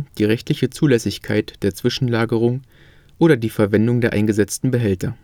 die rechtliche Zulässigkeit der Zwischenlagerung oder die Verwendung der eingesetzten Behälter